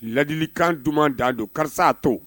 Ladili kan duman dan don karisa to